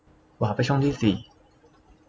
วาปไปช่องที่สี่